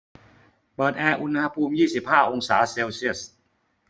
เปิดแอร์อุณหภูมิยี่สิบห้าองศาเซลเซียส